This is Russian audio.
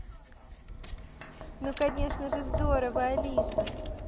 ну конечно здорово алиса